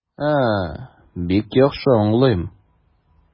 А, бик яхшы аңлыйм.